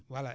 voilà